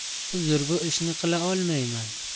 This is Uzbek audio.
uzr bu ishni qila olmayman